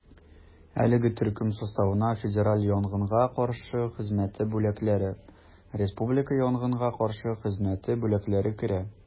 Әлеге төркем составына федераль янгынга каршы хезмәте бүлекләре, республика янгынга каршы хезмәте бүлекләре керә.